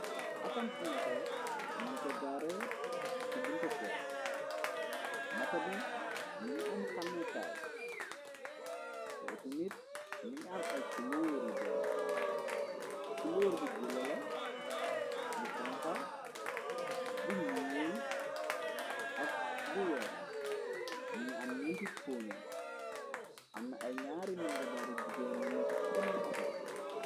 Akam ci moto miñ ko gare ci bu ntëkkër moto bi mi nga am xameekaay te iti mit mi nga am ay kuloor yu bari kuloori bu gullala bu xonxa bu ñuwul ak bu weex mi nga am ninti pono amna ay ñaari nongo dari jigéen yu nekk ci kanam otobi.